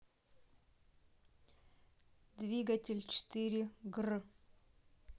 двигатель четыре гр